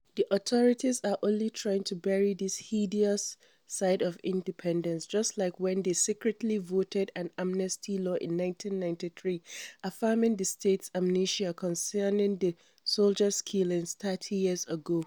The authorities are only trying to bury this hideous side of independence, just like when they secretly voted an amnesty law in 1993 affirming the state's amnesia concerning the soldiers’ killings 30 years ago.